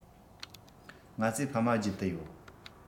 ང ཚོས ཕ མ རྒྱུད དུ ཡོད